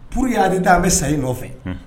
Puru ya de taa an bɛ sa nɔfɛ